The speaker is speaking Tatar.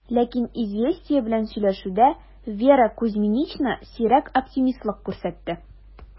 Ләкин "Известия" белән сөйләшүдә Вера Кузьминична сирәк оптимистлык күрсәтте: